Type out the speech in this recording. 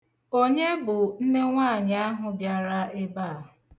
Onye bụ nnenwaanyị ahụ bịara ebe a?